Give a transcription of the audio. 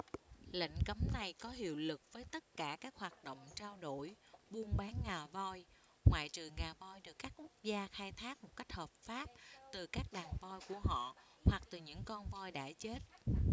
lệnh cấm này có hiệu lực với tất cả các hoạt động trao đổi buôn bán ngà voi ngoại trừ ngà voi được các quốc gia khai thác một cách hợp pháp từ các đàn voi của họ hoặc từ những con voi đã chết